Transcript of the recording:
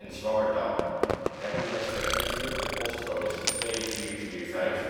Zwammerdam hebben respectievelijk de postcodes 2445 en 2471